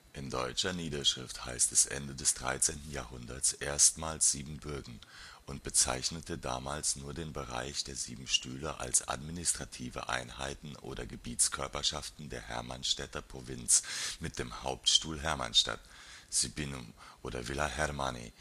In deutscher Niederschrift heißt es Ende des 13. Jhd. erstmals Siebenbuergen und bezeichnete damals nur den Bereich der „ Sieben Stühle “als administrative Einheiten oder Gebietskörperschaften der Hermannstädter Provinz mit dem Hauptstuhl Hermannstadt (Cybininum oder villa Hermanni